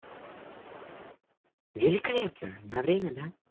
великолепно на время да